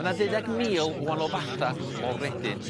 Ma' 'na ddeuddeg mil o wanol fatha o redyn